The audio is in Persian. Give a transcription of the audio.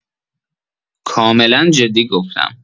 کاملا جدی گفتم.